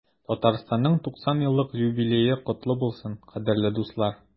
Татарстанның 90 еллык юбилее котлы булсын, кадерле дуслар!